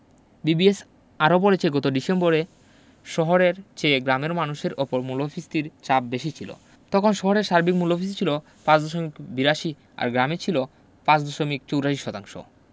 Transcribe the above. BBS আরও বলছে গত ডিসেম্বরে শহরের চেয়ে গ্রামের মানুষের ওপর মূল্যফীসতির চাপ বেশি ছিল তখন শহরে সার্বিক মূল্যফীসতি ছিল ৫ দশমিক ৮২ আর গ্রামে ছিল ৫ দশমিক ৮৪ শতাংশ